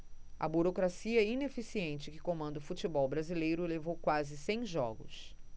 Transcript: a burocracia ineficiente que comanda o futebol brasileiro levou quase cem jogos